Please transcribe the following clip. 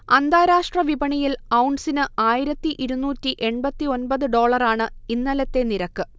അന്താരാഷ്ര്ട വിപണിയിൽ ഔൺസിന് ആയിരത്തി ഇരുന്നൂറ്റി എൺപത്തി ഒൻപത് ഡോളറാണ് ഇന്നലത്തെ നിരക്ക്